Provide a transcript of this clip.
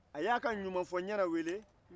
a y'a ɲumanfɔ-n-ɲɛna wele